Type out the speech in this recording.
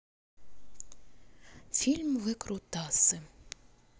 фильм выкрутасы